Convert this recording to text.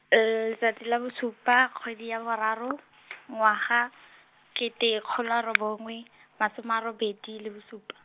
letsatsi la bosupa kgwedi ya boraro, ngwaga, kete kgolo a robongwe, masome a robedi le bosupa.